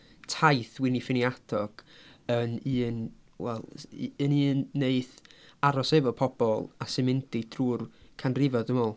taith Wini Ffini Hadog yn un, wel, s- y- yn un wneith aros efo pobl a sy'n mynd i trwy'r canrifoedd dwi'n meddwl.